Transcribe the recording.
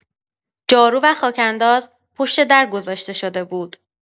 جارو و خاک‌انداز پشت در گذاشته شده بود.